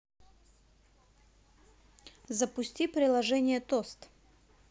запусти приложение тост